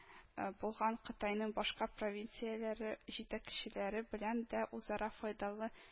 Булган кытайның башка провинцияләре җитәкчеләре белән дә үзара файдалы